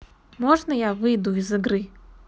можно я выйду из игры